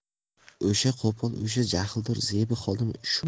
o'sha qo'pol o'sha jahldor zebi xolami shu